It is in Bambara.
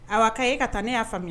Awɔ, a kaɲin e ka taa ne y'a faamuya.